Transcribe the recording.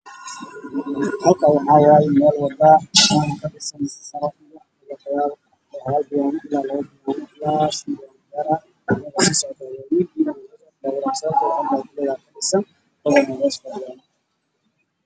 Meshan waxaa iiga muuqda guryo waa weyn oo midab koodu yahay caddaan